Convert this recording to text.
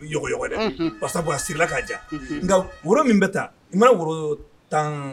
Walasasa a sirala k' ja nka woro min bɛ taa i bɛ woro tan